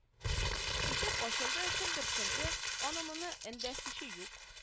Ишек ачылды кемдер керде аны-моны эндәшүче юк